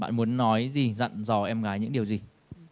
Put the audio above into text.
bạn muốn nói gì dặn dò em gái những điều gì